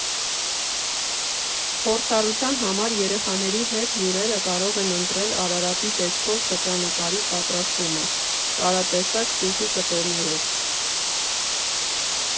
Փորձառության համար երեխաների հետ հյուրերը կարող են ընտրել Արարատի տեսքով խճանկարի պատրաստումը՝ տարատեսակ տուֆի կտորներով։